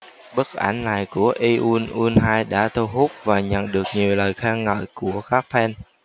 bức ảnh này của yoon eun hye đã thu hút và nhận được nhiều lời khen ngợi của các fan